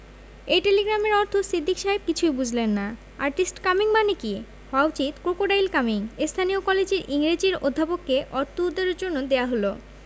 এই টেলিগ্রামের অর্থ সিদ্দিক সাহেব কিছুই বুঝলেন না আর্টিস্ট কামিং মানে কি হওয়া উচিত ক্রোকোডাইল কামিং. স্থানীয় কলেজের ইংরেজীর অধ্যাপককে অর্থ উদ্ধারের জন্য দেয়া হল